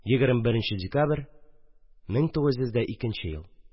21 нче декабрь, 1902 ел